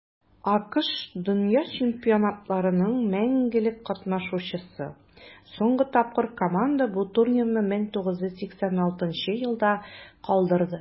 АКШ - дөнья чемпионатларының мәңгелек катнашучысы; соңгы тапкыр команда бу турнирны 1986 елда калдырды.